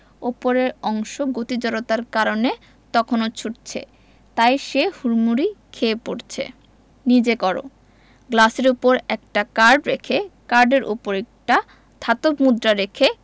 ওপরের অংশ গতি জড়তার কারণে তখনো ছুটছে তাই সে হুরমুড়ি খেয়ে পড়ছে নিজে করো গ্লাসের উপর একটা কার্ড রেখে কার্ডের উপর একটা ধাতব মুদ্রা রেখে